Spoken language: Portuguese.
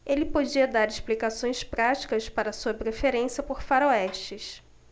ele podia dar explicações práticas para sua preferência por faroestes